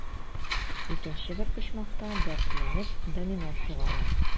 Икенче бер почмакта, дәртләнеп, домино сугалар.